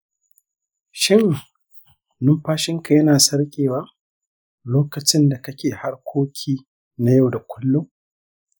shin numfashinka yana sarƙewa lokacin da kake harkoki na yau da kullum?